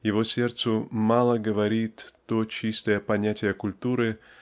его сердцу мало говорит то чистое понятие культуры